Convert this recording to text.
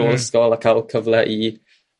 ôl ysgol a ca'l cyfle i